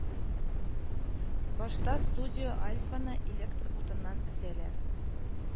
Башта Студио Альфаны электр утыннан өзәләр